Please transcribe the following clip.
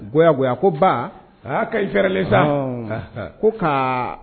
Ggo ko baa ka i yɛrɛlen sa ko ka